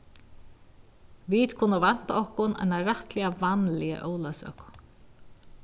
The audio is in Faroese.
vit kunnu vænta okkum eina rættiliga vanliga ólavsøku